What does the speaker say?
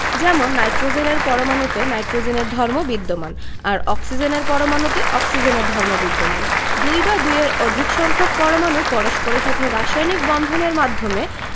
যেমন নাইট্রোজেনের পরমাণুতে নাইট্রোজেনের ধর্ম বিদ্যমান আর অক্সিজেনের পরমাণুতে অক্সিজেনের ধর্ম বিদ্যমান দুই বা দুইয়ের অধিক সংখ্যক পরমাণু পরস্পরের সাথে রাসায়নিক বন্ধন এর মাধ্যমে